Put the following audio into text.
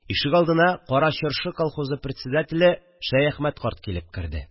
Ишегалдына Кара Чыршы колхозы председателе Шәяхмәт карт килеп керде